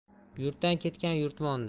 yurtdan ketgan yurtmonda